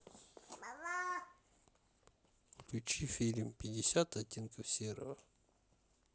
включи фильм пятьдесят оттенков серого